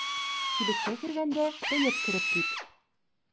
Кибеткә кергәндә белеп кереп кит.